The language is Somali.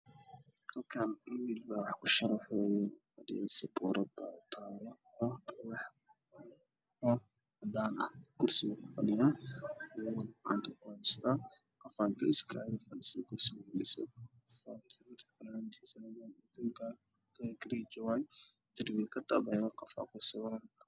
Halkaan waxaa ka muuqdo nin ku fadhiyo kursi buluug ah waxa uu wax ku qoraayaa sabuurad cadaan ah dharka uu qabo waa surwaal buluug iyo shaati madaw ah